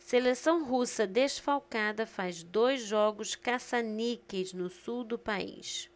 seleção russa desfalcada faz dois jogos caça-níqueis no sul do país